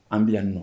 An bila nɔ